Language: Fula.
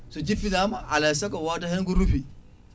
so jippinama alay saago woda hen ko ruufi